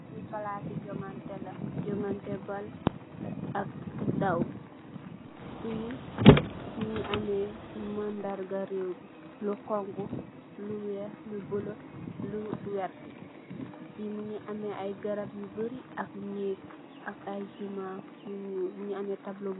Fee plase juganteh la juganteh ball ak daw fee muge ameh madarga reewbe lu xonxo lu weex lu bulo lu verte fee muge ameh aye garab yu bary ak neek ak aye juma yu nuul muge ameh tabla bu.